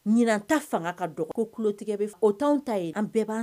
Ɲinan ta fanga ka dɔgɔ ko tutigɛ bɛ o' t'aw ta ye an bɛɛ b'an